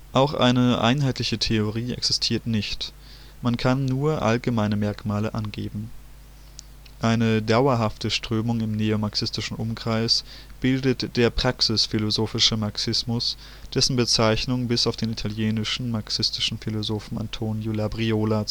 Auch eine einheitliche Theorie existiert nicht, man kann nur allgemeine Merkmale angeben. Eine dauerhafte Strömung im neomarxistischen Umkreis bildet der praxisphilosophische Marxismus, dessen Bezeichnung bis auf den italienischen, marxistischen Philosophen Antonio Labriola